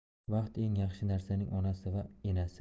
vaqt eng yaxshi narsaning onasi va enasi